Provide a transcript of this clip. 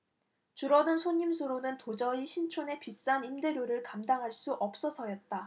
줄어든 손님 수로는 도저히 신촌의 비싼 임대료를 감당할 수 없어서였다